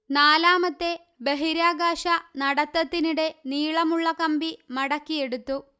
നാലാമത്തെ ബഹിരാകാശ നടത്തത്തിനിടെ നീളമുള്ള കമ്പി മടക്കിയെടുത്തു